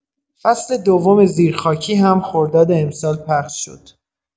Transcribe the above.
فصل دوم «زیرخاکی» هم‌خرداد امسال پخش شد.